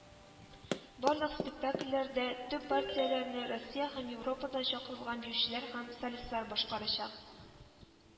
Барлык спектакльләрдә төп партияләрне Россия һәм Европадан чакырылган биючеләр һәм солистлар башкарачак